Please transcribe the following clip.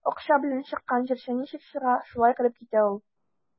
Акча белән чыккан җырчы ничек чыга, шулай кереп китә ул.